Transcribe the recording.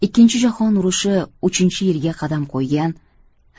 ikkinchi jahon urushi uchinchi yilga qadam qo'ygan